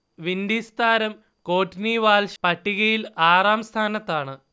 Windies താരം Courtney Walsh പട്ടികയിൽ ആറാം സ്ഥാനത്താണ്